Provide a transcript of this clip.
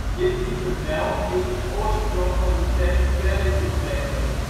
Dit type bel is de oorsprong van de term belletje trekken